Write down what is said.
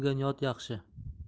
mehr bilgan yot yaxshi